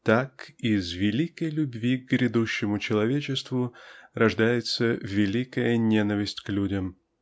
Так из великой любви к грядущему человечеству рождается великая ненависть к людям